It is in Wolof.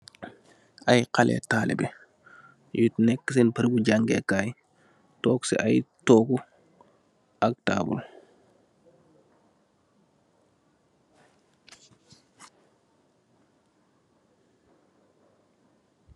Ay xeleh talibeh yu neka sen berembi jangeh kai tog si ay togu ak tabale.